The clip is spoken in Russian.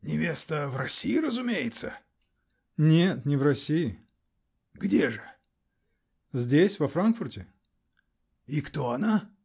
-- Невеста -- в России, разумеется? -- Нет, не в России. -- Где же? -- Здесь, во Франкфурте. -- И кто она?